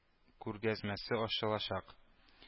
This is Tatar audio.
Күргәзмәсе ачылачак